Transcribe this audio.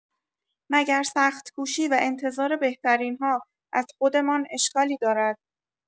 مگر سخت‌کوشی و انتظار بهترین‌ها از خودمان اشکالی دارد؟